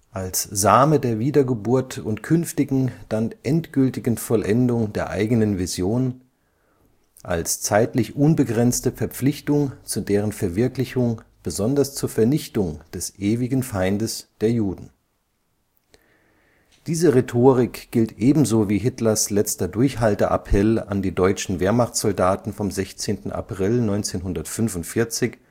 als Same der Wiedergeburt und künftigen, dann endgültigen Vollendung der eigenen Vision, als zeitlich unbegrenzte Verpflichtung zu deren Verwirklichung, besonders zur Vernichtung des ewigen Feindes (der Juden). Diese Rhetorik gilt ebenso wie Hitlers letzter Durchhalteappell an die deutschen Wehrmachtssoldaten vom 16. April 1945